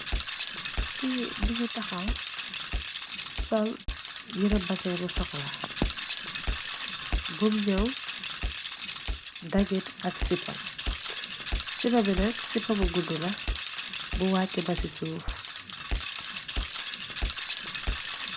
Ki mu ngi taxaw sol yirab basin bu sokola bum ñaw dagit ak sipa sipabinak sipa bu guddu la bu wacc basi suuf.